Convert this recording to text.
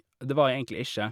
Og det var jeg egentlig ikke.